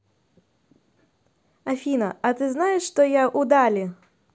афина а ты знаешь что я удали